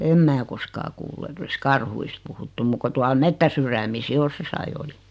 en minä koskaan kuullut että olisi karhuista puhuttu muuta kuin tuolla metsänsydämissä jos jossakin oli